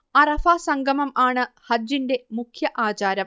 അറഫാ സംഗമം ആണു ഹജ്ജിന്റെ മുഖ്യ ആചാരം